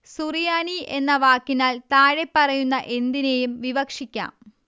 സുറിയാനി എന്ന വാക്കിനാൽ താഴെപ്പറയുന്ന എന്തിനേയും വിവക്ഷിക്കാം